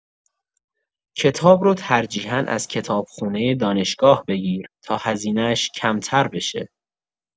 کتاب رو ترجیحا از کتابخونه دانشگاه بگیر تا هزینه‌اش کمتر بشه.